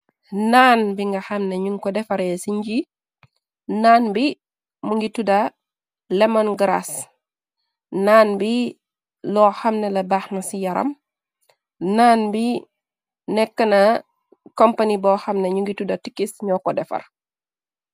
Naan bi nga xamne ñung ko defaree ci nji naan bi mu ngi tudda lemon gras naan bi loo xamne la baaxna ci yaram naan bi nekke na kompani boo xamne ñu ngi tudda tikis ñoo ko defar.